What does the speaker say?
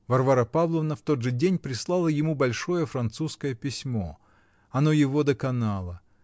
Варвара Павловна в тот же день прислала ему большое французское письмо. Оно его доконало